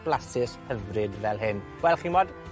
blasus, hyfryd fel hyn. Wel chi'mod?